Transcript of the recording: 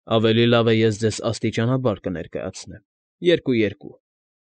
Ավելի լավ է ես ձեզ աստիճանաբար կներկայացնեմ, երկու֊երկու։